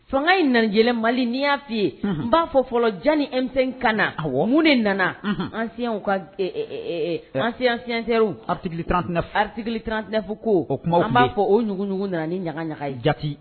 Son in nanjɛ mali ni y'a fɔi ye n b'a fɔ fɔlɔ jan nimesɛn ka na minnu de nana an ka ancsɛrwri atili tfo ko tuma u b'a fɔ o ɲɔgɔnɲɔgɔn nana ni ɲaga ɲaga ja